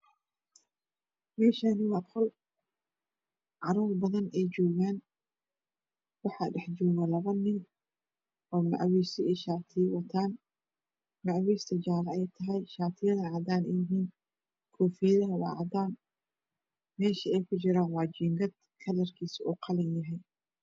Meeshaani waa qol caruuur padan ey jogaan waxaa dhax jooga lapa nin oo macwiis iyo shatiyo wataan macwiis jaalo ay tahy shatiyadne cadaan ey tahy koofiyadaha waa cadaan mesha ey ku jiraane waa jingad klerkiiso u qalin yahy